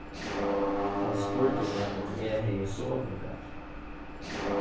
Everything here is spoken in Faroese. hann spurdi meg um eg hevði sovið væl